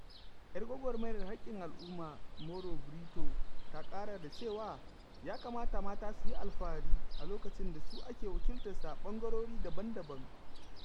Yar gwagwarmayar haƙƙin al'umma, Mauro Brito, ta ƙara da cewa ya kamata mata su yi alfahari "a lokacin da su ake wakiltarsu a ɓangarori daban-daban":